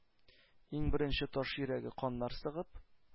Иң беренче таш йөрәге каннар сыгып,